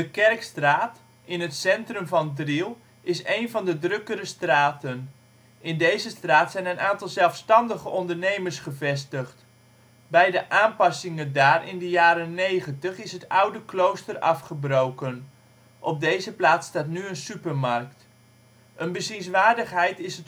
Kerkstraat, in het centrum van Driel, is een van de drukkere straten. In deze straat zijn een aantal zelfstandige ondernemers gevestigd. Bij de aanpassingen daar in de jaren negentig is het oude klooster afgebroken. Op deze plaats staat nu een supermarkt. Een bezienswaardigheid is